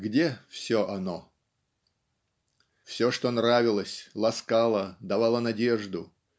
Где все оно?" "Все, что нравилось, ласкало, давало надежду,